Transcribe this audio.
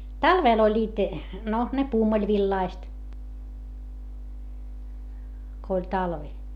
talvella olivat no ne pumpulivillaiset kun oli talvi